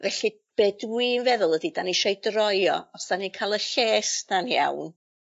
Felly be' dwi'n feddwl ydi 'dan ni isio 'i droi o, os 'dan ni'n ca'l y lles 'na'n iawn